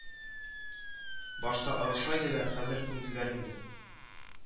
Башта орыша иделәр, хәзер күнделәр инде